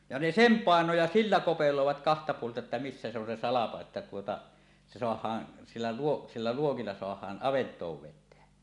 ja ne sen painoi ja sillä kopeloivat kahta puolta että missä se on se salko että tuota se saadaan sillä - sillä luokilla saadaan avantoon vettä